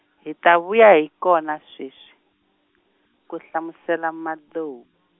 hi ta vuya hi kona sweswi, ku hlamusela Madou .